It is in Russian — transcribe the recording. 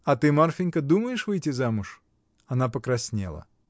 — А ты, Марфинька, думаешь выйти замуж? Она покраснела.